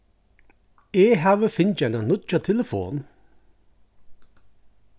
eg havi fingið eina nýggja telefon